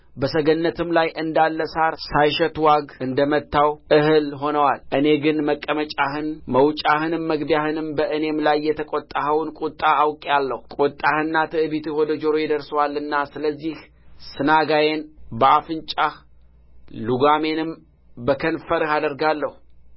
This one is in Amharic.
በሰገነትም ላይ እንዳለ ሣር ሳይሸት ዋግ እንደ መታውም እህል ሆነዋል እኔ ግን መቀመጫህንና መውጫህንም መግቢያህንም በእኔም ላይ የተቈጠኸውን ቍጣ አውቄአለሁ ቍጣህና ትዕቢትህ ወደ ጆሮዬ ደርሶአልና ስለዚህ ስናጋዬን በአፍንጫህ ልጓሜንም በከንፈርህ አደርጋለሁ